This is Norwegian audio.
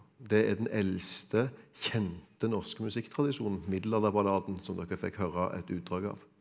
det er den eldste, kjente norske musikktradisjonen middelalderballaden som dere fikk høre et utdrag av.